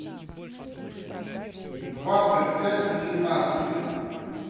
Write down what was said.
двадцать пять на семнадцать